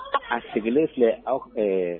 A sigilen filɛ aw fɛ